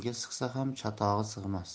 sig'sa ham chatog'i sig'mas